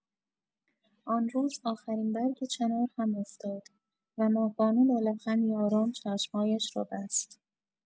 آن روز، آخرین برگ چنار هم افتاد و ماه‌بانو با لبخندی آرام چشم‌هایش را بست.